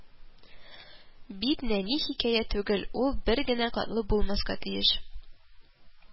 Бит нәни хикәя түгел, ул бер генә катлы булмаска тиеш